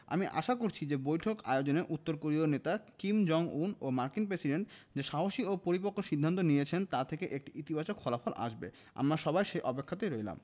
আমি আশা করছি যে বৈঠক আয়োজনে উত্তর কোরীয় নেতা কিম জং উন ও মার্কিন প্রেসিডেন্ট যে সাহসী ও পরিপক্ব সিদ্ধান্ত নিয়েছেন তা থেকে একটি ইতিবাচক ফলাফল আসবে আমরা সবাই সে অপেক্ষাতেই রইলাম